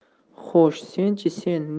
xo'sh senchi sen